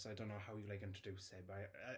So I don't know how you, like, introduce it, but I- yy...